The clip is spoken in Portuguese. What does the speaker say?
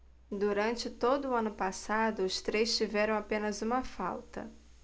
durante todo o ano passado os três tiveram apenas uma falta